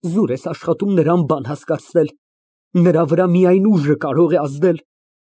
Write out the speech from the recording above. Զուր ես աշխատում նրան բան հասկացնել։ Նրա վրա միայն ուժը կարող է ազդել։